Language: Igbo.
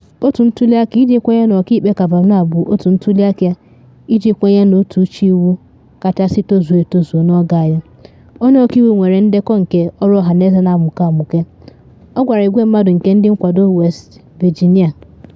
“Otu ntuli aka iji kwenye na Ọkaikpe Kavanaugh bụ otu ntuli aka iji kwenye n’otu uche iwu kachasị tozuo etozu n’oge anyị, onye ọkaiwu nwere ndekọ nke ọrụ ọhaneze na amuke amuke,” ọ gwara igwe mmadụ nke ndị nkwado West Virginia.